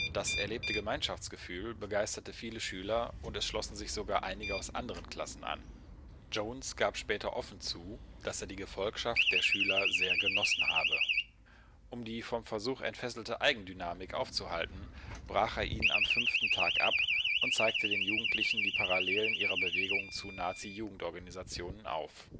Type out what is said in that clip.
Das erlebte Gemeinschaftsgefühl begeisterte viele Schüler, und es schlossen sich sogar einige aus anderen Klassen an. Jones gab später offen zu, dass er die Gefolgschaft der Schüler sehr genossen habe. Um die vom Versuch entfesselte Eigendynamik aufzuhalten, brach er ihn am fünften Tag ab und zeigte den Jugendlichen die Parallelen ihrer Bewegung zu Nazi-Jugendorganisationen auf